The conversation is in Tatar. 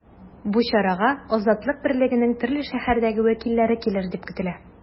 Бу чарага “Азатлык” берлегенең төрле шәһәрдәге вәкилләре килер дип көтелә.